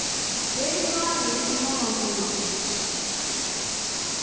ver klárur um hálvan tíma